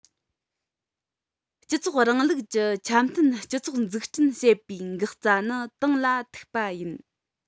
སྤྱི ཚོགས རིང ལུགས ཀྱི འཆམ མཐུན སྤྱི ཚོགས འཛུགས སྐྲུན བྱེད པའི འགག རྩ ནི ཏང ལ ཐུག པ ཡིན